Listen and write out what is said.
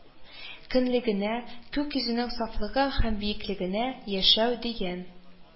Кенлегенә, күк йөзенең сафлыгы һәм биеклегенә, яшәү дигән